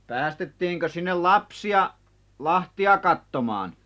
päästettiinkö sinne lapsia lahtia katsomaan